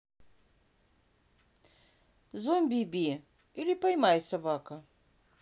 зомбиби или поймай собака